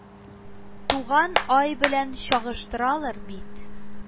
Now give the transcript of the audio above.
ТУГАН АЙ белән чагыштыралар бит